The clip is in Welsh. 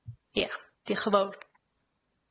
Ia, dioch yn fowr.